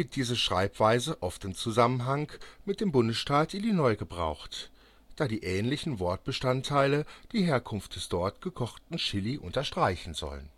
diese Schreibweise oft in Zusammenhang mit dem Bundesstaat Illinois gebraucht, da die ähnlichen Wortbestandteile die Herkunft des dort gekochten Chilli unterstreichen sollen